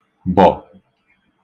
bọ̀